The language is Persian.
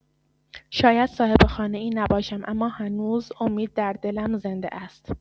شاید صاحب خانه‌ای نباشم، اما هنوز امید در دلم زنده است.